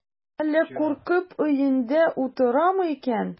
Әллә куркып өендә утырамы икән?